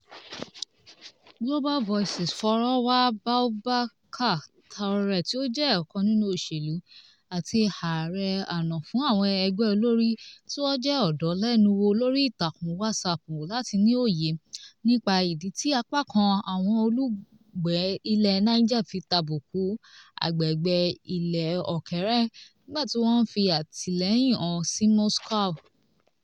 Global Voices fọ̀rọ̀wá Boubacar Touré tí ó jẹ́ èèkàn nínú òṣèlú àti ààrẹ àná fún àwọn ẹgbẹ́ olórí tí wọ́n jẹ́ ọ̀dọ́ lẹ́nu wò lórí ìtàkùn Whatsapp láti ní òye nípa ìdí tí apá kan àwọn olùgbé ilẹ̀ Niger fi tàbùkù àgbègbè ilẹ̀ òkèèrè nígbà tí wọ́n ń fi àtìlẹ́yìn hàn sí Moscow.